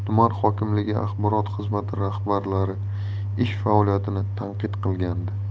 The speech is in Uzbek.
hokimligi axborot xizmati rahbarlari ish faoliyatini tanqid qilgandi